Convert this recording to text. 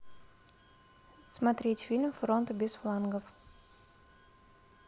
смотреть фильм фронт без флангов